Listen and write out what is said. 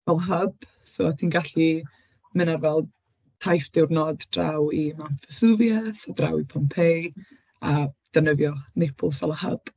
fel hyb, so o't ti'n gallu mynd ar fel taith diwrnod draw i Mount Vesuvius, draw i Pompeii a defnyddio Naples fel y hyb.